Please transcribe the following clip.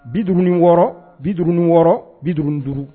Bid wɔɔrɔ bid wɔɔrɔ bid duuru